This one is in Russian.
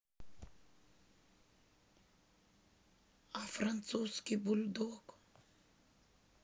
а французский бульдог